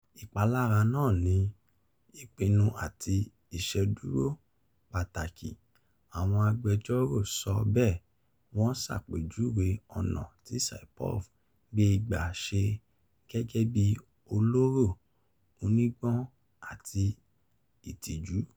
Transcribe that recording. Ìpalára náà ni "ìpinnu àti ìṣedúrọ́ pàtàkì," Àwọn agbẹjọ́rò sọ bẹẹ̀, wọn ṣàpèjúwe ọ̀nà tí Saipov gbé gbà ṣe Gẹ́gẹ́bí "olóró, onígbọ̀n àti ìtìjú."